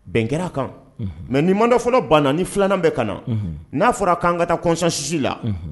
Bɛn kɛra a kan, unhun mais ni mandat fɔlɔ baa na, ni filanan bɛ ka na, unhun, n'a fɔra k'an ka taa concensus la, unhun